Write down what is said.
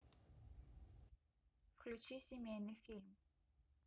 включи семейный фильм